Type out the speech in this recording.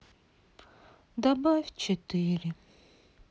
добавь четыре